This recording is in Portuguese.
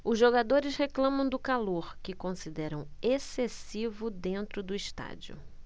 os jogadores reclamam do calor que consideram excessivo dentro do estádio